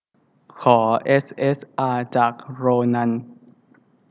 ขอเอสเอสอาจากโรนัน